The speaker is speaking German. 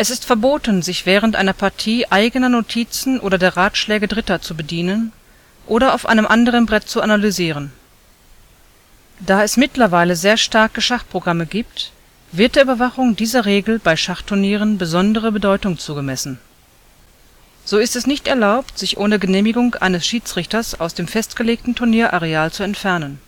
verboten, sich während einer Partie eigener Notizen oder der Ratschläge Dritter zu bedienen oder auf einem anderen Brett zu analysieren. Da es mittlerweile sehr starke Schachprogramme gibt, wird der Überwachung dieser Regel bei Schachturnieren besondere Bedeutung zugemessen. So ist es nicht erlaubt, sich ohne Genehmigung eines Schiedsrichters aus dem festgelegten Turnierareal zu entfernen